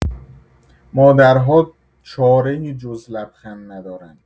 مادرها چاره‌ای جز لبخند ندارند.